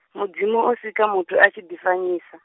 Mudzimu o sika muthu a tshi ḓi fanyisa.